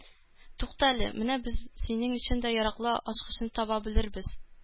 Туктале, менә без синең өчен дә яраклы ачкычны таба белербез